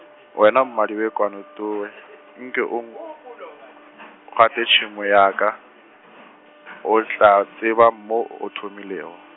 wena Mmadibekwane towe, nke o n- , gate tšhemo ya ka, o tla tseba mo o thomilego.